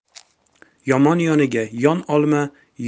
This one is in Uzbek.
yomon yoniga yon olma